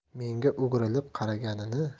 menga o'girilib qaraganini